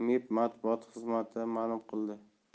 mib matbuot xizmati ma'lum qildi